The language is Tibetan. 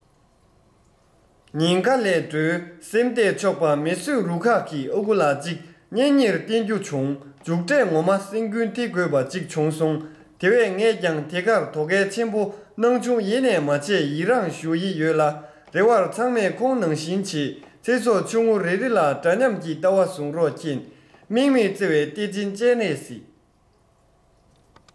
ཉེན ཁ ལས འགྲོལ སེམས གཏད ཆོག པ མེ གསོད རུ ཁག གི ཨ ཁུ ལགས གཅིག གཉེན ཉེར བསྟེན རྒྱུ བྱུང འཇུག འབྲས ངོ མ སེམས འགུལ ཐེབས དགོས པ གཅིག བྱུང སོང དེ བས ངས ཀྱང དེ གར དོ གལ ཆེན པོ སྣང ཆུང ཡེ ནས མ བྱས པ ཡི རངས ཞུ ཡི ཡོད ལ རེ བར ཚང མས ཁོང ནང བཞིན བྱེད ཚེ སྲོག ཆུང ངུ རེ རེ ལ འདྲ སྙམ གྱི ལྟ བ བཟུང རོགས མཁྱེན དམིགས མེད བརྩེ བའི གཏེར ཆེན སྤྱན རས གཟིགས